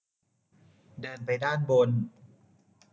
เดินไปด้านบน